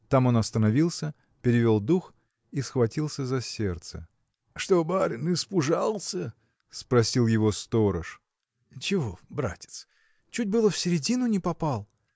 Там он остановился, перевел дух и схватился за сердце. – Что, барин, испужался? – спросил его сторож. – Чего братец чуть было в середину не попал